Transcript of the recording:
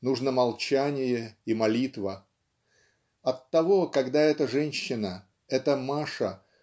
нужно молчание и молитва. Оттого когда эта женщина эта Маша